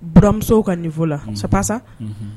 Baramusow ka ninfɔ la sabusa